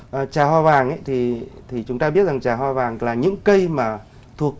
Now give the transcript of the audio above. và trà hoa vàng ấy thì thì chúng ta biết rằng trà hoa vàng là những cây mà thuộc